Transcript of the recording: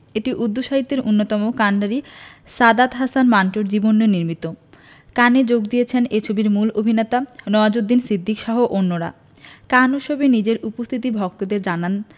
এটি উর্দু সাহিত্যের অন্যতম কান্ডারি সাদাত হাসান মান্টোর জীবন নিয়ে নির্মিত কানে যোগ দিয়েছেন এ ছবির মূল অভিনেতা নওয়াজুদ্দিন সিদ্দিকীসহ অন্যরা কান উৎসবে নিজের উপস্থিতি ভক্তদের জানান